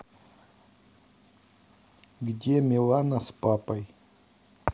где милана с папой